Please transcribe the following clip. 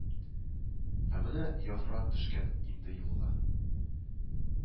Ә менә Яфрак төшкән инде юлга